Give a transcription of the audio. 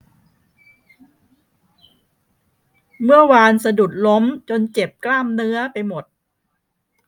เมื่อวานสะดุดล้มจนเจ็บกล้ามเนื้อไปหมด